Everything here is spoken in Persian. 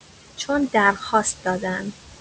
چون درخواست دادن